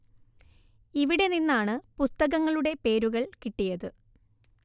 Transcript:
ഇവിടെ നിന്നാണ് പുസ്തകങ്ങളുടെ പേരുകൾ കിട്ടിയത്